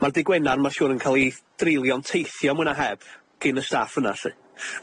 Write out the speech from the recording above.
Ma'r Dydd Gwener ma'n siŵr yn ca'l'i dreulio'n teithio mwy na heb, gin y staff yna lly.